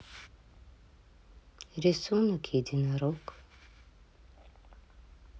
рисунок единорог